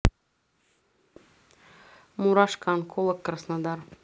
мурашко онколог краснодар